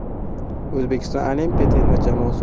o'zbekiston olimpiya terma jamoasi